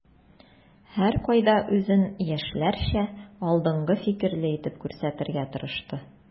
Һәркайда үзен яшьләрчә, алдынгы фикерле итеп күрсәтергә тырышты.